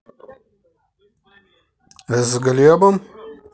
с глебом